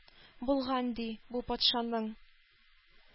Булган, ди, бу патшаның.